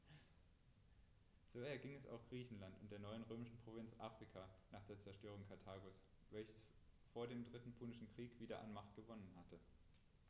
So erging es auch Griechenland und der neuen römischen Provinz Afrika nach der Zerstörung Karthagos, welches vor dem Dritten Punischen Krieg wieder an Macht gewonnen hatte.